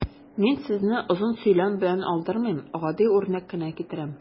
Мин сезне озын сөйләм белән ардырмыйм, гади үрнәк кенә китерәм.